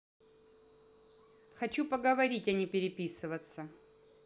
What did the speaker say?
хочу поговорить а не переписываться